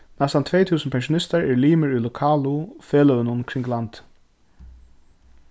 næstan tvey túsund pensjonistar eru limir í lokalu feløgunum kring landið